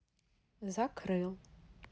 закрыл